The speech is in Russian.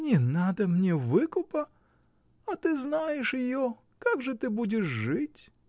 — Не надо мне выкупа, а ты знаешь ее: как же ты будешь жить?.